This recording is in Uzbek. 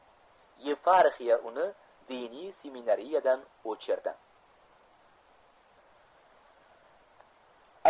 yeparxiya uni diniy seminariyadan o'chirdi